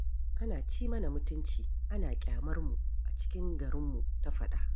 Ana ci mana mutunci ana ƙyamarmu a cikin garinmu, ta faɗa.